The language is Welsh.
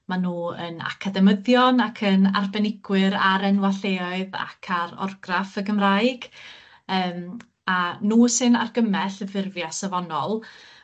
ma' nw yn academyddion ac yn arbenigwyr ar enwa' lleoedd ac ar orgraff y Gymraeg yym a nw sy'n argymell y ffurfia' safonol